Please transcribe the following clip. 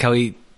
...ca'l 'u